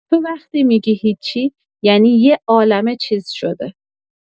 تو وقتی می‌گی هیچی، یعنی یه عالمه چیز شده.